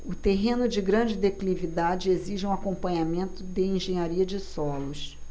o terreno de grande declividade exige um acompanhamento de engenharia de solos